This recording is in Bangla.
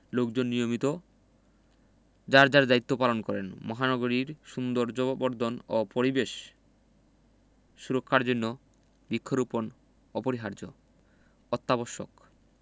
লোকজন নিয়মিত যার যার দায়িত্ব পালন করেন মহানগরীর সৌন্দর্যবর্ধন ও পরিবেশ সুরক্ষার জন্য বৃক্ষরোপণ অপরিহার্য অত্যাবশ্যক